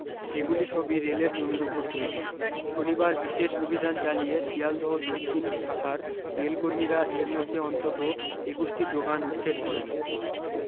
এগুলি সবি রেলের জমির উপর তৈরী শনিবার বিশেষ অভি্যান চালিয়ে শিয়ালদহ দক্ষিণ শাখার রেল কর্মীরা এর মধ্যে অন্তত একুশ টি দোকান উচ্ছেদ করেন